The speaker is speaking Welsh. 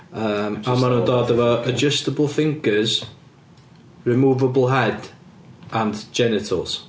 Yym a maen nhw'n dod efo adjustable fingers, removable head and genitals.